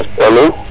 alo